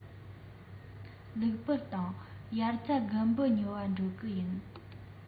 ལུག པགས དང དབྱར རྩྭ དགུན འབུ ཉོ བར འགྲོ གི ཡིན